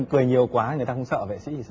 cười nhiều quá người ta cũng sợ vệ sĩ thì